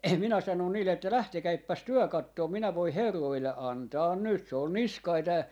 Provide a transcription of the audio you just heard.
minä sanoin niille että lähtekääpäs te katsomaan minä voin herroille antaa nyt